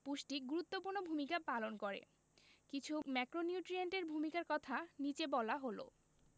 পুষ্টি গুরুত্বপূর্ণ ভূমিকা পালন করে কিছু ম্যাক্রোনিউট্রিয়েন্টের ভূমিকার কথা নিচে বলা হল